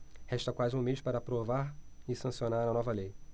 resta quase um mês para aprovar e sancionar a nova lei